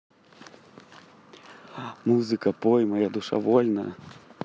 музыка пой моя душа вольно